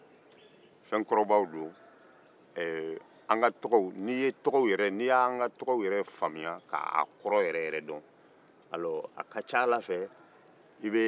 n'i y'an ka tɔgɔw faamuya k'u kɔrɔ yɛrɛ dɔn a ka ca ala fɛ i bɛ